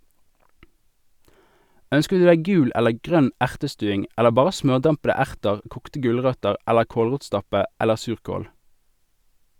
Ønsker du deg gul eller grønn ertestuing - eller bare smørdampede erter, kokte gulrøtter eller kålrotstappe eller surkål?